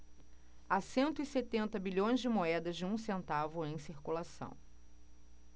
há cento e setenta bilhões de moedas de um centavo em circulação